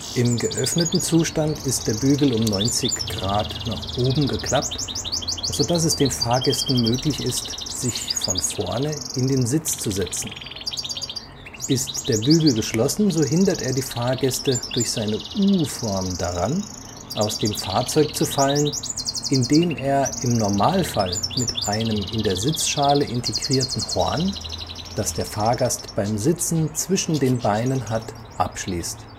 Im geöffneten Zustand ist der Bügel um 90° nach oben geklappt, sodass es den Fahrgästen möglich ist, sich von vorne in den Sitz zu setzen. Ist der Bügel geschlossen, so hindert er die Fahrgäste durch seine U-Form daran, aus dem Fahrzeug zu fallen, indem er im Normalfall mit einem in der Sitzschale integrierten Horn, das der Fahrgast beim Sitzen zwischen den Beinen hat, abschließt